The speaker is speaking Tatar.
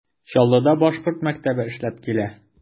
Чаллыда башкорт мәктәбе эшләп килә.